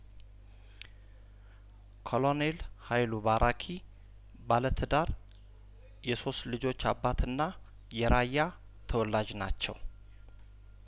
ኮሎኔል ሀይሉ ባራኪ ባለትዳር የሶስት ልጆች አባትና የራያተወላጅ ናቸው